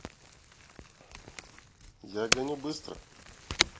я гоню быстро